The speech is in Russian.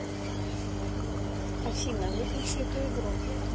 афина выключи эту игру